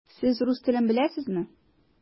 Сез рус телен беләсезме?